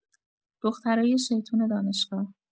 دخترای شیطون دانشگاه